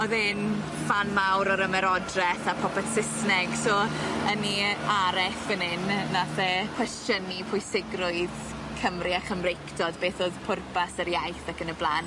O'dd e'n ffan mawr o'r ymerodreth a popeth Sysneg so yn 'i yy areth fyn 'yn nath e cwestiynu pwysigrwydd Cymru a Chymreictod beth o'dd pwrpas yr iaith ac yn y bla'n.